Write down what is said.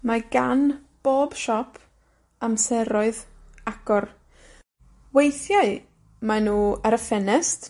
Mae gan bob siop amseroedd agor. Weithiau mae nw ar y ffenest,